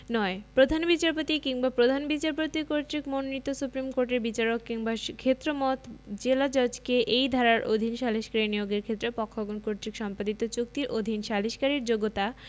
৯ প্রধান বিচারপতি কিংবা প্রধান বিচারপাতি কর্তৃক মনোনীত সুপ্রীম কোর্টের বিচারক কিংবা ক্ষেত্রমত জেলাজজকে এই ধারার অধীন সালিসকারী নিয়োগের ক্ষেত্রে পক্ষগণ কর্তৃক সম্পাদিত চুক্তির অধীন সালিসকারীর যোগ্যতা